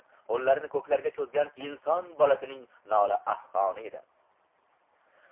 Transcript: qollarini ko'klarga cho'zgan inson bolasining nola afg'oni edi